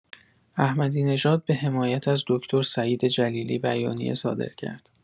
احمدی‌نژاد به حمایت از دکتر سعید جلیلی بیانیه صادر کرد.